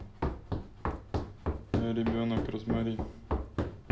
ребенок розмари